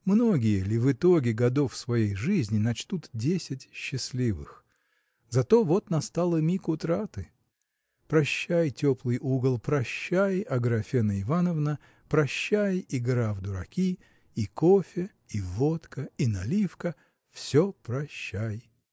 Многие ли в итоге годов своей жизни начтут десять счастливых? Зато вот настал и миг утраты! Прощай теплый угол прощай Аграфена Ивановна прощай игра в дураки и кофе и водка и наливка – все прощай!